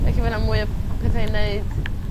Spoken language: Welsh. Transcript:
Ella by 'na mwy o petha i neud.